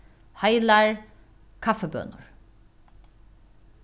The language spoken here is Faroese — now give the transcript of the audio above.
heilar kaffibønur